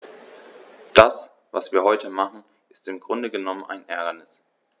Das, was wir heute machen, ist im Grunde genommen ein Ärgernis.